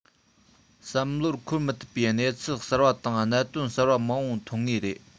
བསམ བློར འཁོར མི ཐུབ པའི གནས ཚུལ གསར པ དང གནད དོན གསར པ མང པོ འཐོན ངེས རེད